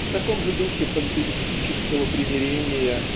В таком же духе пантеистического примирения